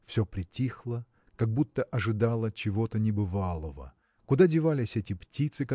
Все притихло, как будто ожидало чего-то небывалого. Куда девались эти птицы